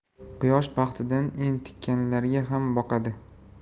quyosh baxtidan entikkanlarga ham boqadi